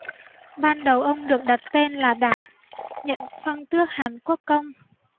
ban đầu ông được đặt tên là đản nhận phong tước hàn quốc công